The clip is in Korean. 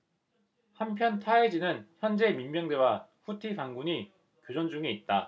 한편 타이즈는 현재 민병대와 후티 반군이 교전 중에 있다